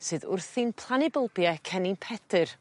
...sydd wrthi'n plannu bylbie cennin Pedyr.